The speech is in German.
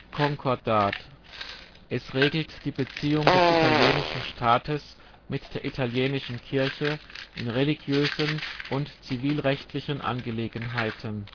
Konkordat - regelt die Beziehung des italienischen Staates mit der italienischen Kirche in religiösen und zivilrechtlichen Angelegenheiten